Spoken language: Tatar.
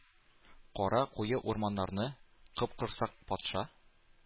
Кара куе урманнарны капкорсак патша